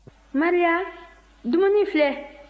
maria dumuni filɛ